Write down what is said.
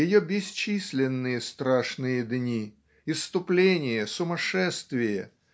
ее бесчисленные страшные дни исступление сумасшествие